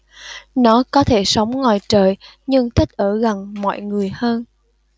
nó có thể sống ngoài trời nhưng thích ở gần mọi người hơn